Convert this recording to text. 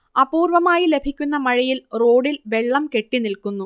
അപൂർവമായി ലഭിക്കുന്ന മഴയിൽ റോഡില് വെള്ളം കെട്ടിനിൽക്കുന്നു